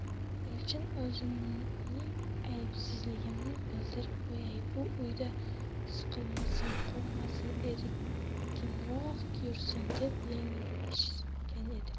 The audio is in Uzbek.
elchin o'zimning aybsizligimni bildirib qo'yay bu uyda siqilmasin qo'rqmasin erkinroq yursin deb yanglishgan edi